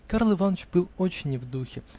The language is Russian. Карл Иваныч был очень не в духе.